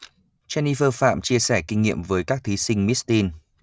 jennifer phạm chia sẻ kinh nghiệm với các thí sinh miss teen